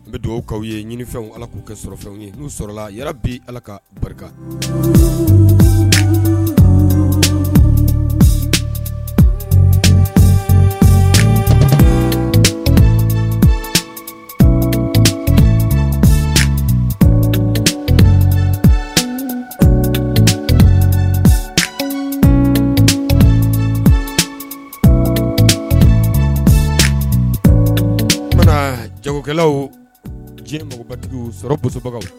N bɛ dugawukaw ye ɲini fɛnw ala k'u kɛ sɔrɔ fɛnw ye n'u sɔrɔla yɛrɛ bɛ ala ka barika jagokɛlaw jiri mɔgɔbatigiw sɔrɔbagaw